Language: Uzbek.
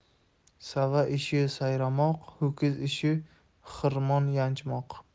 sa'va ishi sayramoq ho'kiz ishi xirmon yanchmoq